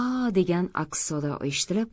a a a degan aks sado eshitilib